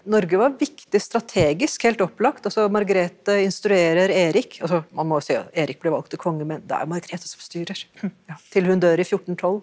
Norge var viktig strategisk helt opplagt altså Margrete instruerer Erik, altså man må jo si at Erik ble valgt til konge men det er Margrete som styrer, ja, til hun dør i fjortentolv.